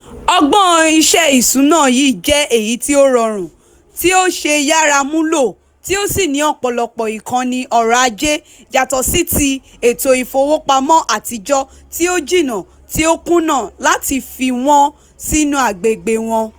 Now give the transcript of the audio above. Ọgbọ́n iṣẹ́ ìsúná yìí jẹ́ èyí tí ó rọrùn, tí ó ṣeé yàrá múlò tí ó sì ní ọ̀pọ̀lọpọ̀ ìkànnì ọrọ̀ ajé, yàtọ̀ sí ti ètò ìfowópamọ́ àtijọ́ tí ó 'jìnà' tí ó kùnà láti fi wọ́n sínú agbègbè wọn.